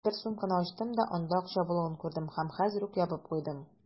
Мин бер сумканы ачтым да, анда акча булуын күрдем һәм хәзер үк ябып куйдым.